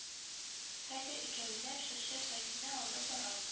Хәзер икәүләп шушы сайтны алып барабыз